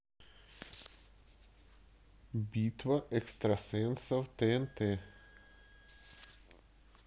битва экстрасенсов тнт